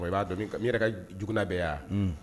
O i b'a dɔn ka jna bɛɛ yan wa